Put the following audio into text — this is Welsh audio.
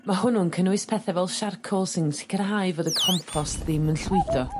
Ma' hwnnw'n cynnwys pethe fel siarcol sy'n sicrhau fod y compost ddim yn llwydo.